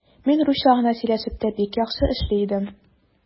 Мин русча гына сөйләшеп тә бик яхшы эшли идем.